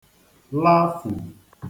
lafù